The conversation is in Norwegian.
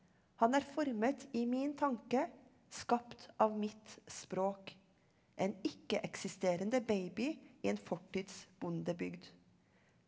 han er formet i min tanke, skapt av mitt språk, en ikke-eksisterende baby i en fortids bondebygd.